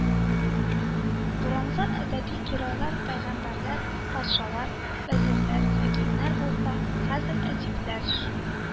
Борынгы әдәби геройлар пәйгамбәрләр, патшалар, вәзирләр, хакимнәр булса, хәзер әдипләр Ш